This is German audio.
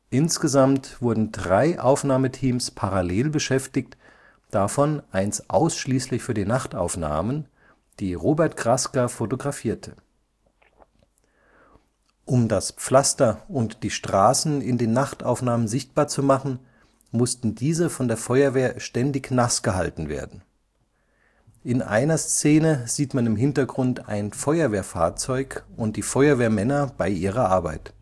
Insgesamt wurden drei Aufnahmeteams parallel beschäftigt, davon eines ausschließlich für die Nachtaufnahmen, die Robert Krasker fotografierte. Um das Pflaster und die Straßen in den Nachtaufnahmen sichtbar zu machen, mussten diese von der Feuerwehr ständig nass gehalten werden. In einer Szene sieht man im Hintergrund ein Feuerwehrfahrzeug und die Feuerwehrmänner bei ihrer Arbeit